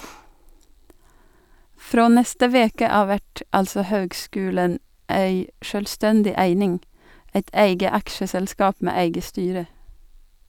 Frå neste veke av vert altså høgskulen ei sjølvstendig eining, eit eige aksjeselskap med eige styre.